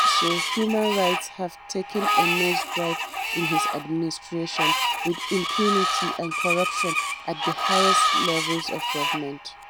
Also, human rights have taken a nose drive in his administration, with impunity and corruption at the highest levels of government.